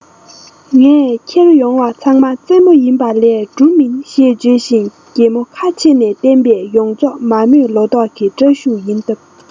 ངས ཁྱེར ཡོང བ ཚང མ ཙེ མོ ཡིན པ ལས འབྲུ མིན ཞེས བརྗོད བཞིན སྒྱེ མོ ཁ ཕྱེ ནས བསྟན པས ཡོངས ཚོགས མ རྨོས ལོ ཏོག གི སྐྲ གཞུག ཡིན སྟབས